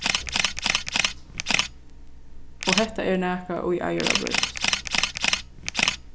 og hetta er nakað ið eigur at broytast